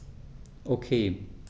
Okay.